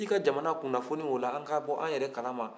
i ka jamana kunafonni o la an ka bɔ an yɛrɛ kalama